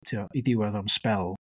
Tibod, ei ddiwedd o am sbel.